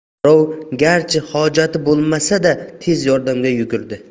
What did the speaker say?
birov garchi hojati bo'lmasa da tez yordamga yugurdi